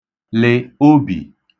lị̀ obì